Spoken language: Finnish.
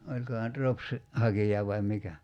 olikohan nyt ropsin hakija vai mikä